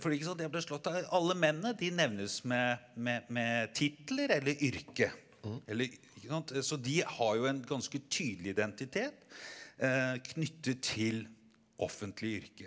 fordi ikke sant jeg ble slått av alle mennene de nevnes med med med titler eller yrke eller ikke sant så de har jo en ganske tydelig identitet knyttet til offentlig yrke.